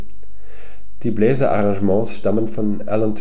die Bläserarrangements stammen von Allen